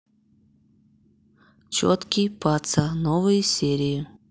четкий паца новые серии